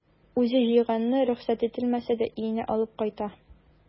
Үзе җыйганны рөхсәт ителмәсә дә өенә алып кайта.